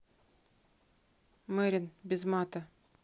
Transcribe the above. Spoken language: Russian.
мерин без мата